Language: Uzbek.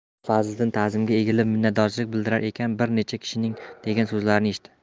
mulla fazliddin tazimga egilib minnatdorchilik bildirar ekan bir necha kishining degan so'zlarini eshitdi